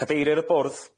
Cadeirir y Bwrdd,